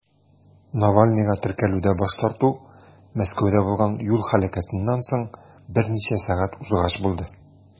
Навальныйга теркәлүдә баш тарту Мәскәүдә булган юл һәлакәтеннән соң берничә сәгать узгач булды.